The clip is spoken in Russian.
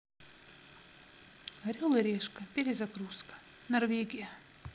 орел и решка перезагрузка норвегия